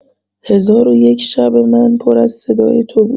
هزار و یک شب من پر از صدای تو بود.